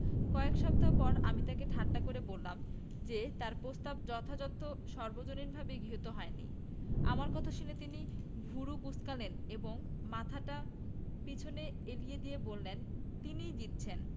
কয়েক সপ্তাহ পর আমি তাঁকে ঠাট্টা করে বললাম যে তাঁর প্রস্তাব যথার্থ সর্বজনীনভাবে গৃহীত হয়নি আমার কথা শুনে তিনি ভ্রু কুঁচকালেন এবং মাথাটা পেছন এলিয়ে দিয়ে বললেন তিনিই জিতছেন